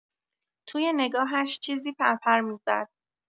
توی نگاهش چیزی پرپر می‌زد.